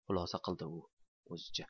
xulosa qildi o'zicha u